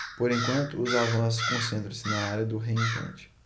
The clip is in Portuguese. por enquanto os avanços concentram-se na área do reimplante